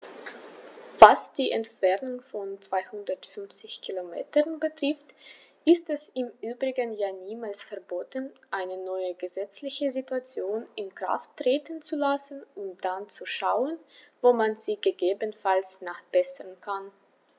Was die Entfernung von 250 Kilometern betrifft, ist es im Übrigen ja niemals verboten, eine neue gesetzliche Situation in Kraft treten zu lassen und dann zu schauen, wo man sie gegebenenfalls nachbessern kann.